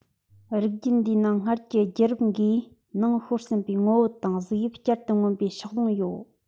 རིགས རྒྱུད འདིའི ནང སྔར གྱི རྒྱུད རབས འགའི ནང ཤོར ཟིན པའི ངོ བོ དང གཟུགས དབྱིབས བསྐྱར དུ མངོན པའི ཕྱོགས ལྷུང ཡོད